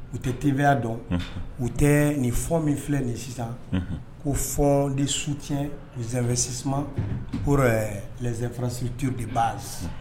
U tɛ tebeya dɔn u tɛ nin fɔ min filɛ nin sisan ko fɔ ni su tiɲɛ zfɛ sisan ko zɛnfaransitu de ba